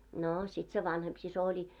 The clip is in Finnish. no sitten se vanhempi sisko oli